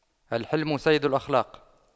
الحِلْمُ سيد الأخلاق